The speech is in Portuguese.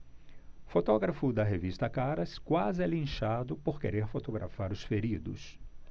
fotógrafo da revista caras quase é linchado por querer fotografar os feridos